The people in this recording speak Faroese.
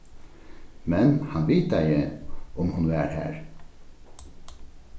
men hann vitaði um hon var har